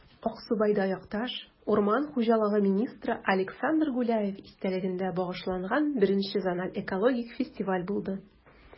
Аксубайда якташ, урман хуҗалыгы министры Александр Гуляев истәлегенә багышланган I зональ экологик фестиваль булды